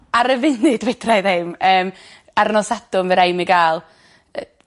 Ar y funud fedrai ddim. Yym ar nos Sadwrn by' raid mi ga'l y-